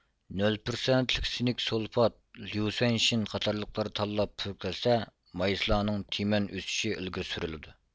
نۆل پىرسەنتلىك سىنك سۇلفات ليۇسۈەنشىن قاتارلىقلار تاللاپ پۈركەلسە مايسىلانىڭ تىمەن ئۆسۈشى ئىلگىرى سۈرۈلىدۇ